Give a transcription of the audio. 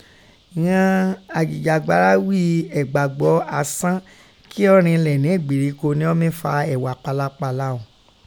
Ìghọn ajìjàngbara ghí i ẹ̀gbàgbọ́ asán kí ọ́ rinlẹ̀ nẹ́ ìgbèríko ni ọ́ mí fa ẹ̀ghà pálapalà ọ̀ún.